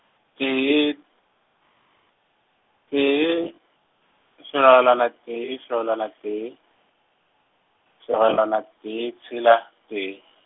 tee, tee, fegelwana tee, fegelwana tee, fegelwana tee, tshela, tee.